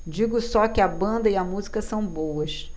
digo só que a banda e a música são boas